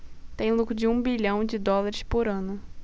tem lucro de um bilhão de dólares por ano